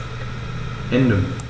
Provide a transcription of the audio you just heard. Ende.